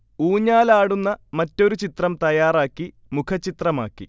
ഊഞ്ഞാലാടുന്ന മറ്റൊരു ചിത്രം തയാറാക്കി മുഖച്ചിത്രമാക്കി